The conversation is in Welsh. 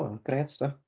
O, grêt de.